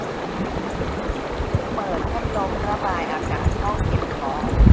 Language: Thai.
เปิดพัดลมระบายอากาศห้องเก็บของ